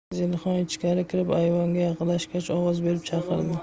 zelixon ichkari kirib ayvonga yaqinlashgach ovoz berib chaqirdi